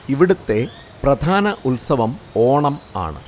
ഇവിടത്തെ പ്രധാന ഉത്സവം ഓണം ആണ്